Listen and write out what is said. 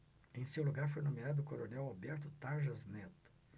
em seu lugar foi nomeado o coronel alberto tarjas neto